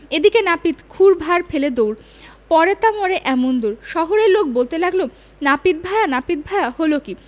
এদিকে নাপিত ক্ষুর ভাঁড় ফেলে দৌড় পড়ে তা মরে এমন দৌড় শহরের লোক বলতে লাগল নাপিত ভায়া নাপিত ভায়া হল কী